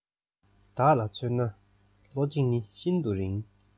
བདག ལ མཚོན ན ལོ གཅིག ནི ཤིན ཏུ རིང